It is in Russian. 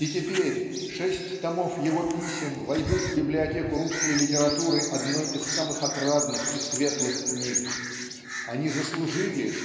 И теперь шесть томов его писем войдут в библиотеку русской литературы одной из самых отрадных и светлых книг. Они заслужили